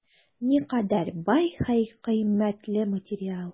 Никадәр бай һәм кыйммәтле материал!